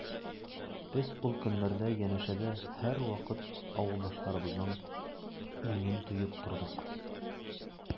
Без ул көннәрдә янәшәдә һәрвакыт авылдашларыбызның иңен тоеп тордык.